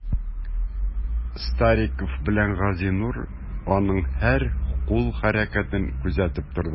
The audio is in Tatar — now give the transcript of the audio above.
Стариков белән Газинур аның һәр кул хәрәкәтен күзәтеп тордылар.